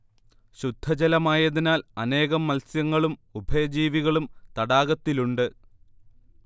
ശുദ്ധജലമായതിനാൽ അനേകം മത്സ്യങ്ങളും ഉഭയ ജീവികളും തടാകത്തിലുണ്ട്